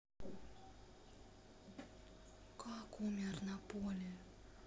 как умер наполе